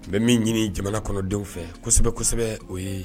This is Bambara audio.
N bɛ min ɲini jamana kɔnɔdenw fɛ kosɛbɛ kosɛbɛ o ye